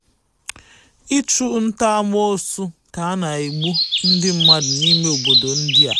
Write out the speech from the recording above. Ịchụ nta-amoosu ka na-egbu ndị mmadụ n'ime obodo India